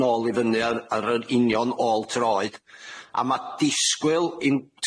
nôl i fyny ar yr union ôl troed a ma' disgwyl i'n